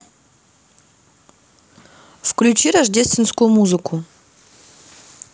включи рождественскую музыку